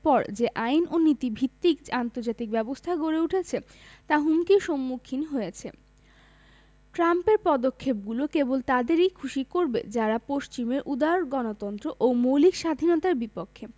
পর যে আইন ও নীতিভিত্তিক আন্তর্জাতিক ব্যবস্থা গড়ে উঠেছে তা হুমকির সম্মুখীন হয়েছে ট্রাম্পের পদক্ষেপগুলো কেবল তাদেরই খুশি করবে যারা পশ্চিমের উদার গণতন্ত্র ও মৌলিক স্বাধীনতার বিপক্ষে